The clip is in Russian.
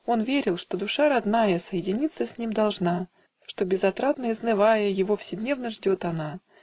Он верил, что душа родная Соединиться с ним должна, Что, безотрадно изнывая, Его вседневно ждет она